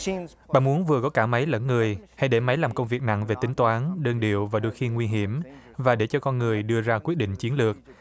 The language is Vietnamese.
bà muốn vừa có cả máy lẫn người hãy để máy làm công việc nặng về tính toán đơn điệu và đôi khi nguy hiểm và để cho con người đưa ra quyết định chiến lược